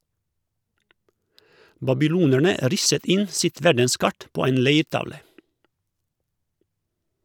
Babylonerne risset inn sitt verdenskart på en leirtavle.